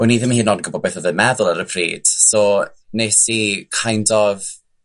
o'n i ddim hyd yn o'd yn gwbo beth odd e'n meddwl ar y pryd. So, nes i kind of